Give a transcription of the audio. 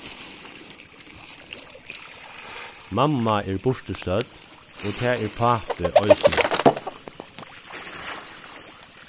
mamma er burturstødd og tað er pápi eisini